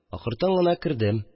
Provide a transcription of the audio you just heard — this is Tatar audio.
Акыртын гына кердем